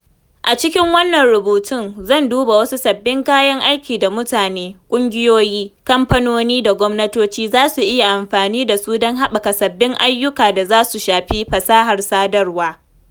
A cikin wannan rubutun, zan duba wasu sabbin kayan aikin da mutane, ƙungiyoyi, kamfanoni da gwamnatoci za su iya amfani da su don haɓaka sababbin ayyuka da suka shafi fasahar sadarwa.